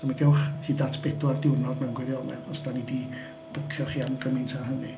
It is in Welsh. Mi gewch hyd at bedwar diwrnod mewn gwirionedd os dan ni 'di bwcio chi am gymaint a hynny.